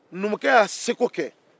numukɛ y'a seko kɛ